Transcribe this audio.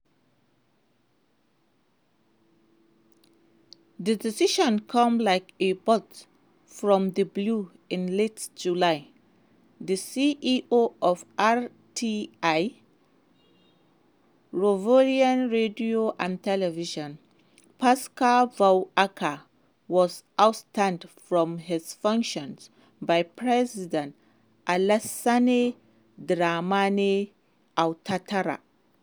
The decision came like a bolt from the blue in late July: The CEO of RTI (Ivorian Radio and Television), Pascal Brou Aka, was ousted from his functions by President Alassane Dramane Ouattara.